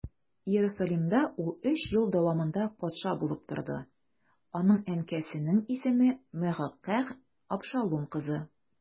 Иерусалимдә ул өч ел дәвамында патша булып торды, аның әнкәсенең исеме Мәгакәһ, Абшалум кызы.